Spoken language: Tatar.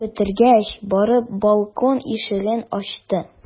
Эшен бетергәч, барып балкон ишеген ачты.